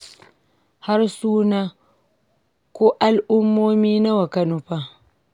Harsuna ko al'ummomi nawa ka nufa?